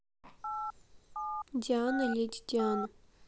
диана леди диану